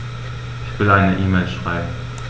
Ich will eine E-Mail schreiben.